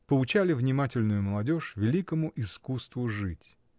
поучали внимательную молодежь великому искусству жить.